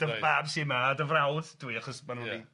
dy fab sy' yma a dy frawd dwi achos ma' n'w 'di